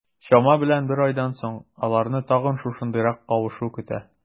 Чама белән бер айдан соң, аларны тагын шушындыйрак кавышу көтә.